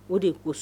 O de ye ko